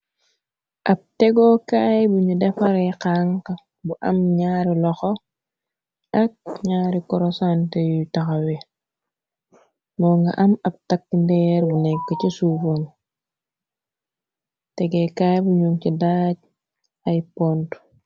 Ab tegokaay bu ñu defare xanka bu am ñaari loxo ak ñaari korosante yuy taxawe moo nga am ab takk ndeer bu nekk ci suufoon tegekaay bu ñum ci daaj ay pont.